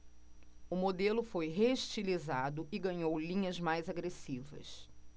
o modelo foi reestilizado e ganhou linhas mais agressivas